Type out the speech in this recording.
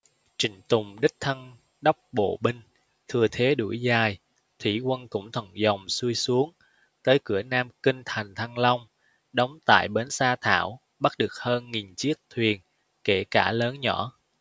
trịnh tùng đích thân đốc bộ binh thừa thế đuổi dài thủy quân cũng thuận dòng xuôi xuống tới cửa nam kinh thành thăng long đóng tại bến sa thảo bắt được hơn nghìn chiến thuyền kể cả lớn nhỏ